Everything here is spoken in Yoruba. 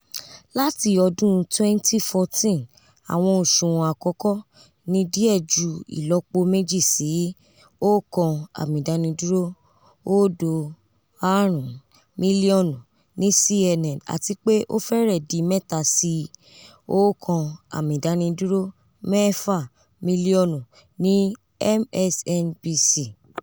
Lati ọdun 2014, awọn oṣuwọn akoko ni diẹ ju ilọpo meji si 1.05 milionu ni CNN ati pe o fẹrẹ di mẹta si 1.6 milionu ni MSNBC.